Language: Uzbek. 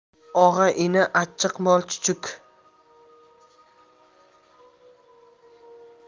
og'a ini achchiq mol chuchuk